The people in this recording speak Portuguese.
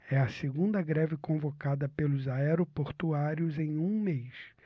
é a segunda greve convocada pelos aeroportuários em um mês